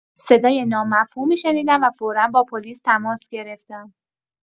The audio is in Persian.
صدای نامفهومی شنیدم و فورا با پلیس تماس گرفتم.